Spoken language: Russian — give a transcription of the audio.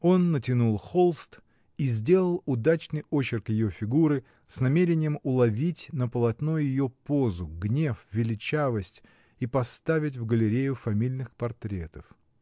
Он натянул холст и сделал удачный очерк ее фигуры, с намерением уловить на полотно ее позу, гнев, величавость и поставить в галерею фамильных портретов.